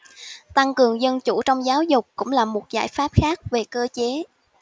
tăng cường dân chủ trong giáo dục cũng là một giải pháp khác về cơ chế